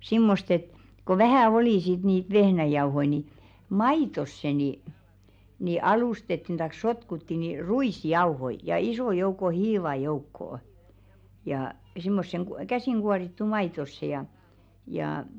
semmoista että kun vähän oli sitten niitä vehnäjauhoja niin maitoon niin niin alustettiin tai sotkuttiin niin ruisjauhoja ja ison joukon hiivaa joukkoon ja semmoiseen - käsin kuorittuun maitoon ja ja